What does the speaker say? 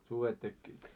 sudet tekivät